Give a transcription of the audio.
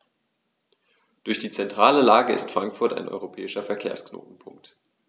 Durch die zentrale Lage ist Frankfurt ein europäischer Verkehrsknotenpunkt.